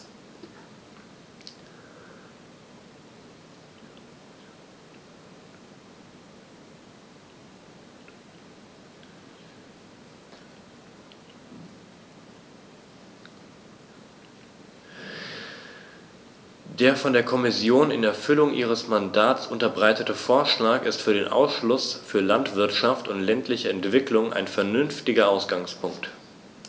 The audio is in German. Der von der Kommission in Erfüllung ihres Mandats unterbreitete Vorschlag ist für den Ausschuss für Landwirtschaft und ländliche Entwicklung ein vernünftiger Ausgangspunkt.